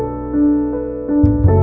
ti